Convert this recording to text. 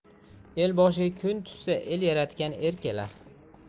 el boshiga kun tushsa el yaratgan er kelar